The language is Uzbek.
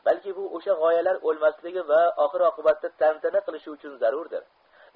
balki bu o'sha g'oyalar o'lmasligi va oxir oqibatda tantani qilishi uchun zarurdir